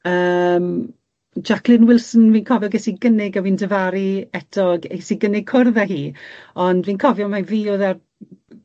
Yym Jaclyn Wilson fi'n cofio ges i gynnig a fi'n difaru eto ges i gynnig cwrdd â hi ond fi'n cofio mai fi o'dd ar